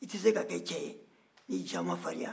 i tɛ se ka kɛ cɛ ye n'i ja man farinya